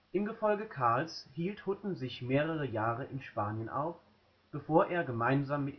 Im Gefolge Karls hielt Hutten sich mehrere Jahre in Spanien auf, bevor er gemeinsam